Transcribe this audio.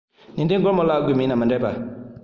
ཏན ཏན སྒོར མོ བརླག དགོས མེད ན མི འགྲིག པ